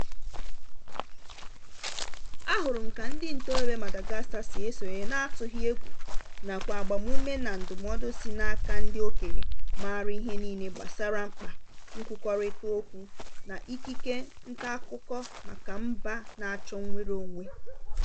A hụrụ m ka ndị ntorobịa Madagascar sị esonye n'atụghị egwu nakwa agbamume na ndụmọdụ sị n'aka ndị okenye maara ihe niile gbasara mkpa nkwukọrịta okwu na ikike ntaakụkọ maka mba na-achọ nnwereonwe.